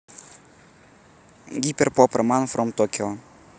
гиперпоп роман from tokyo